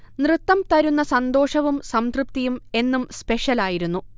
നൃത്തം തരുന്ന സന്തോഷവും സംതൃപ്തിയും എന്നും സ്പെഷൽ ആയിരുന്നു